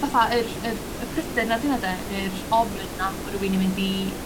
fatha yr yr y pryder 'na 'di wnna 'de yr ofn yna bo' rywun yn mynd i